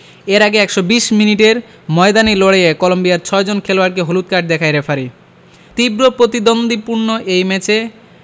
এর আগে ১২০ মিনিটের ময়দানি লড়াইয়ে কলম্বিয়ার ছয়জন খেলোয়াড়কে হলুদ কার্ড দেখায় রেফারি তীব্র প্রতিদ্বন্দ্বিপূর্ণ ওই ম্যাচে